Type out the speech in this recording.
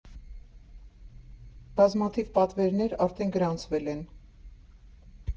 Բազմաթիվ պատվերներ արդեն գրանցվել են.